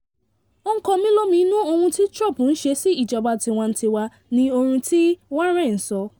“Ó ń kan mí lóminú ohun tí Trump ń ṣe sí ìjọba tiwantiwa” ni ohun tí Warren sọ.